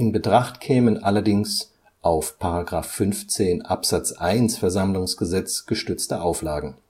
Betracht kämen allerdings auf § 15 Abs. 1 VersammlG gestützte Auflagen